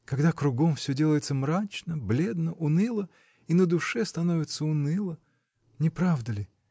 — Когда кругом всё делается мрачно, бледно, уныло, — и на душе становится уныло. Не правда ли?